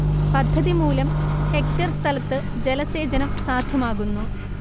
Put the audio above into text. പദ്ധതിമൂലം hectare സ്ഥലത്ത് ജലസേചനം സാധ്യമാകുന്നു